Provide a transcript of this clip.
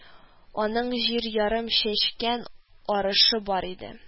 Аның җир ярым чәчкән арышы бар иде